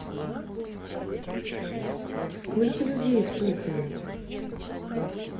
сколько людей в токио